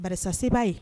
Ba sebaa ye